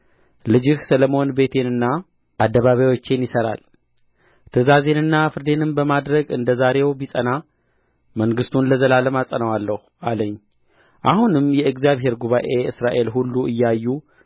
ልጅህ ሰሎሞን ቤቴንና አደባባዮቼን ይሠራል ትእዛዜንና ፈርዴንም በማድረግ እንደ ዛሬው ቢጸና መንግሥቱን ለዘላለም አጸናዋለሁ አለኝ አሁንም የእግዚአብሔር ጉባኤ እስራኤል ሁሉ እያዩ